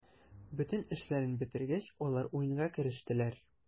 Бөтен эшләрен бетергәч, алар уенга керештеләр.